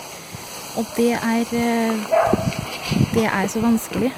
Og det er v det er så vanskelig.